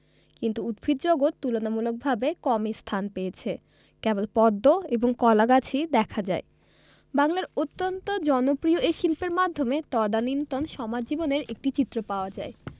কিন্তু উদ্ভিদজগৎ তুলনামূলকভাবে কমই স্থান পেয়েছে কেবল পদ্ম এবং কলাগাছই দেখা যায় বাংলার অত্যন্ত জনপ্রিয় এ শিল্পের মাধ্যমে তদানীন্তন সমাজ জীবনের একটা চিত্র পাওয়া যায়